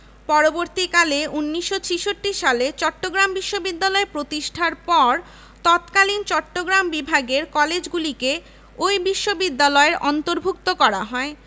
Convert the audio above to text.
উল্লেখ্য যে ১৯৫২ সাল থেকে সাধারণ স্নাতক ডিগ্রির জন্য নির্ধারিত বিষয়গুলো বিশ্ববিদ্যালয়ের অধিভুক্ত কলেজে পড়ানোর ব্যবস্থা চালু করা হয়